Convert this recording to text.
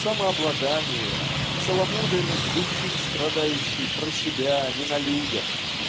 Самообладание, целомудренность души, страдающей про себя, не на людях,